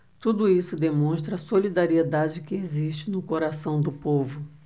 tudo isso demonstra a solidariedade que existe no coração do povo